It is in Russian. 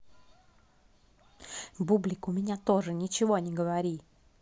бублик у меня тоже ничего не говори